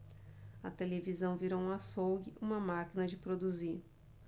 a televisão virou um açougue uma máquina de produzir